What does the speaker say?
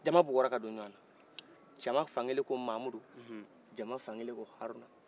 jama bugara don ɲɔgɔnna jama fankelen ko haruna jama fankelen ko mamudu